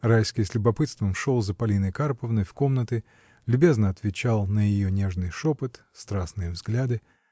Райский с любопытством шел за Полиной Карповной в комнаты, любезно отвечал на ее нежный шепот, страстные взгляды.